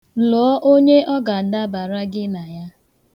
Lụọ onye ọ ga-adabara gị na ya.